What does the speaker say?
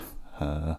Hø.